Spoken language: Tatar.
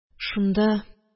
Шунда